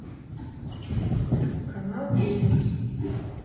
канал перец